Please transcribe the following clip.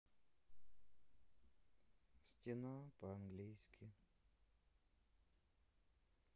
стена по английски